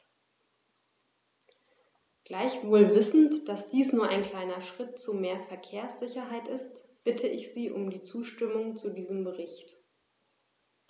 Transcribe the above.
Gleichwohl wissend, dass dies nur ein kleiner Schritt zu mehr Verkehrssicherheit ist, bitte ich Sie um die Zustimmung zu diesem Bericht.